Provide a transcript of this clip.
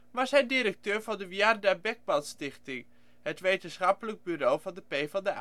was hij directeur van de Wiardi Beckman Stichting, het wetenschappelijk bureau van de PvdA